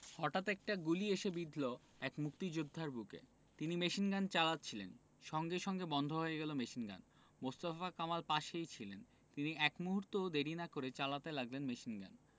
হটাৎ একটা গুলি এসে বিঁধল এক মুক্তিযোদ্ধার বুকে তিনি মেশিনগান চালাচ্ছিলেন সঙ্গে সঙ্গে বন্ধ হয়ে গেল মেশিনগান মোস্তফা কামাল পাশেই ছিলেন তিনি এক মুহূর্তও দেরি না করে চালাতে লাগলেন মেশিনগান